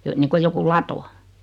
- niin kuin joku lato